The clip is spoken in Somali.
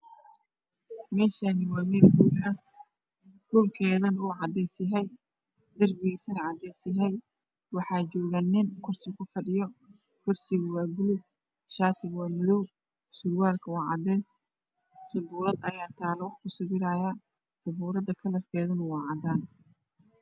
Meshaani waa mel hool oona acadees yahay darpigisana cadiin yahay waxaa joga nin korsi ku fadhiyo kursigu waa paluug shatigu waa madow surwaalku waa cadees sapuurad aya tala waxpuu sawirayaa sapuurada kalerkeedyna waa cadaan